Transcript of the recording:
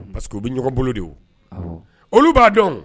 Parce que u bɛ ɲɔgɔn bolo de olu b'a dɔn